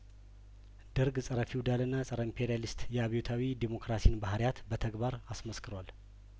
ደርግ ጸረ ፊውዳልና ጸረ ኢምፔሪያ ሊስት የአብዮታዊ ዲሞክራሲን ባህርያት በተግባር አስመስክሯል